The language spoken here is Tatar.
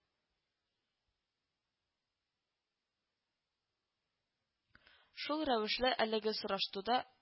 Шул рәвешле, әлеге сораштуда